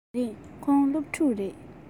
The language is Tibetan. མ རེད ཁོང སློབ ཕྲུག རེད